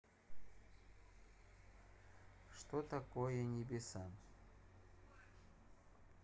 что такое небеса